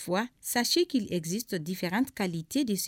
Sa se ka te de sen